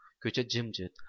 ko'cha jimjit